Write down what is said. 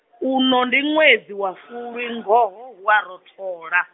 uno ndi ṅwedzi wa fulwi ngoho hu a rothola.